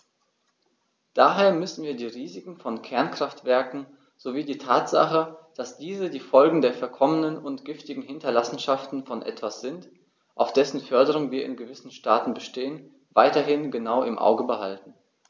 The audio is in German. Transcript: Daher müssen wir die Risiken von Kernkraftwerken sowie die Tatsache, dass diese die Folgen der verkommenen und giftigen Hinterlassenschaften von etwas sind, auf dessen Förderung wir in gewissen Staaten bestehen, weiterhin genau im Auge behalten.